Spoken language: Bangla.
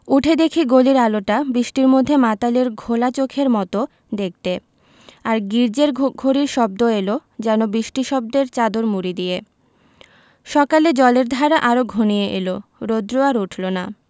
উঠে দেখি গলির আলোটা বৃষ্টির মধ্যে মাতালের ঘোলা চোখের মত দেখতে আর গির্জ্জের ঘড়ির শব্দ এল যেন বৃষ্টির শব্দের চাদর মুড়ি দিয়ে সকালে জলের ধারা আরো ঘনিয়ে এল রোদ্র আর উঠল না